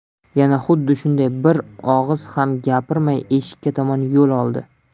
yana xuddi shunday bir og'iz ham gapirmay eshikka tomon yo'l oldi